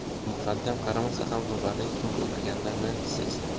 muqaddam qaramasa ham lobarning turib o'tirganini sezdi